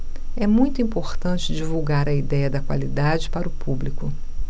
é muito importante divulgar a idéia da qualidade para o público